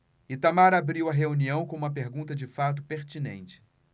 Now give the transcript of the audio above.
itamar abriu a reunião com uma pergunta de fato pertinente